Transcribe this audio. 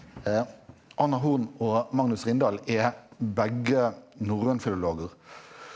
Anna Horn og Magnus Rindal er begge norrønfilologer.